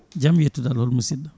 jaam yettude Allah hol musidɗo